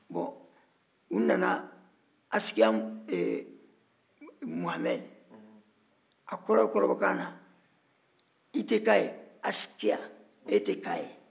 bon u nana aikiya muhamadi a kɔrɔbɔrɔkan na i tɛ k'a ye asikiya e tɛ k'a ye